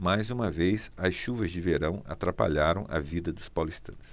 mais uma vez as chuvas de verão atrapalharam a vida dos paulistanos